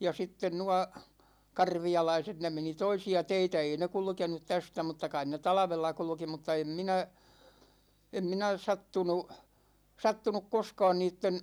ja sitten nuo karvialaiset ne meni toisia teitä ei ne kulkenut tästä mutta kai ne talvella kulki mutta en minä en minä sattunut sattunut koskaan niiden